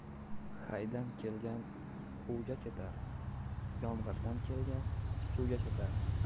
haydan kelgan huvga ketar yomg'irdan kelgan suvga ketar